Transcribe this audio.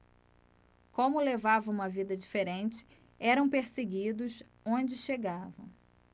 como levavam uma vida diferente eram perseguidos onde chegavam